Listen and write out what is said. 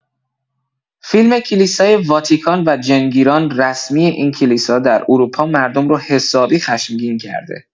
فیلم کلیسای واتیکان و جن‌گیران رسمی این کلیسا در اروپا مردم رو حسابی خشمگین کرده